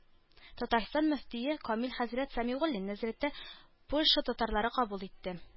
Татарстан мөфтие Камил хәзрәт Сәмигуллин нәзәрәттә Польша татарлары кабул итте.